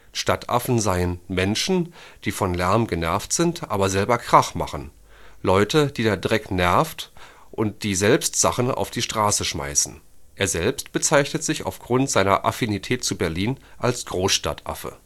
Stadtaffen seien „ Menschen, die vom Lärm genervt sind, aber selber Krach machen. Leute, die der Dreck nervt und die selbst Sachen auf die Straße schmeißen. “Er selbst bezeichnet sich aufgrund seiner Affinität zu Berlin als „ Großstadtaffe